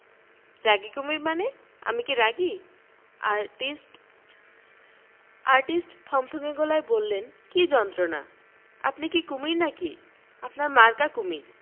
রাগী কুমীর শানে আমি কি রাগী আর্টিস্ট আর্টিস্ট থমথমে গলায় বললেন কি যন্ত্রণা আপনি কি কুমীর না কি আপনার মার্কা কুমীর